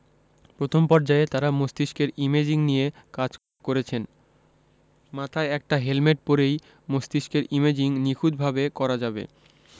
প্রথম পর্যায়ে তারা মস্তিষ্কের ইমেজিং নিয়ে কাজ করেছেন মাথায় একটা হেলমেট পরেই মস্তিষ্কের ইমেজিং নিখুঁতভাবে করা যাবে